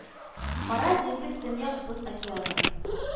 Кара диңгез Төньяк Боз океаны